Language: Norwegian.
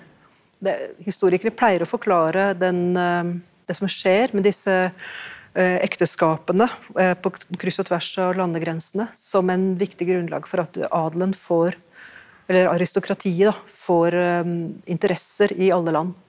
det historikere pleier å forklare den det som skjer med disse ekteskapene på kryss og tvers av landegrensene som en viktig grunnlag for at du adelen får eller aristokratiet da får interesser i alle land.